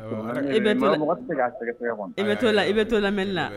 I bɛ bɛ t'o la i bɛ t too la mɛn